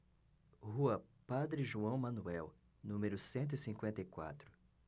rua padre joão manuel número cento e cinquenta e quatro